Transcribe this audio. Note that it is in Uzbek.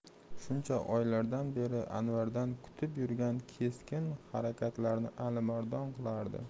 shuncha oylardan beri anvardan kutib yurgan keskin harakatlarni alimardon qilardi